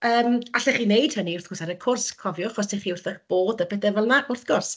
yym allech chi wneud hynny wrth gwrs ar y cwrs cofiwch os ydych chi wrth eich bodd a pethau fel yna wrth gwrs.